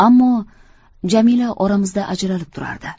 ammo jamila oramizda ajralib turardi